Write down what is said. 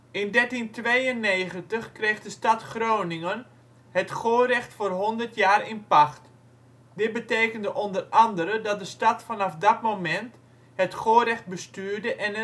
1392 kreeg de stad Groningen het Gorecht voor 100 jaar in pacht. Dit betekende onder andere dat de stad vanaf dat moment het Gorecht bestuurde en